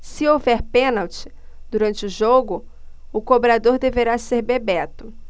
se houver pênalti durante o jogo o cobrador deverá ser bebeto